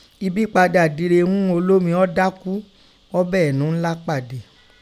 Ibi padà dire ún olómi ọ́ dákú, ọ́ bá ẹ̀ẹ́nú ńlá pàdé